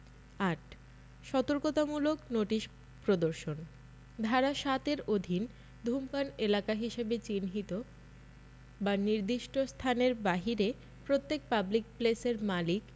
৮ সতর্কতামূলক নোটিশ প্রদর্শন ধারা ৭ এর অধীন ধুমপান এলাকা হিসাবে চিহ্নিত বা নির্দিষ্ট স্থানের বাহিরে প্রত্যেক পাবলিক প্লেসের মালিক